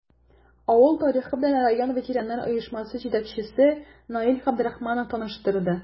Авыл тарихы белән район ветераннар оешмасы җитәкчесе Наил Габдрахманов таныштырды.